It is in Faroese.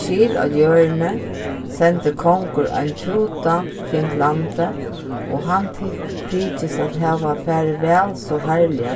skil á jørðini sendi kongur ein fúta kring landið og hann tykist at hava farið væl so harðliga